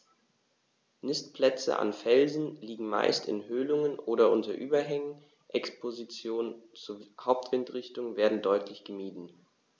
Nistplätze an Felsen liegen meist in Höhlungen oder unter Überhängen, Expositionen zur Hauptwindrichtung werden deutlich gemieden.